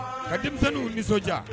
Ka denmisɛnw'u nisɔndiya